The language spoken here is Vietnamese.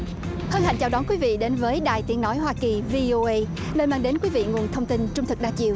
hân hạnh chào đón quý vị đến với đài tiếng nói hoa kỳ vi ô ây nơi mang đến quý vị nguồn thông tin trung thực đa chiều